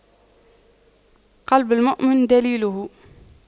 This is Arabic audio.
قلب المؤمن دليله